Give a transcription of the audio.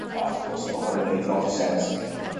A wrth gwrs ma' hwn yn neud lot o sens